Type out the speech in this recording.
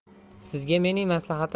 sizga mening maslahatim